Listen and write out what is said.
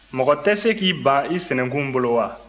mɔgɔ tɛ se k'i ban i sinankun bolo wa